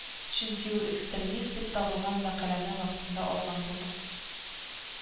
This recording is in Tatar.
Чөнки ул экстремист дип табылган мәкаләне вакытында алган булган